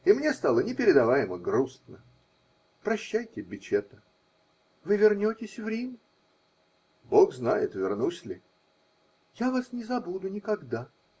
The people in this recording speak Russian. И мне стало непередаваемо грустно. -- Прощайте, Бичетта. -- Вы вернетесь в Рим? -- Бог знает, вернусь ли. -- Я вас не забуду никогда.